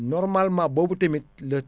normalement boobu tamit le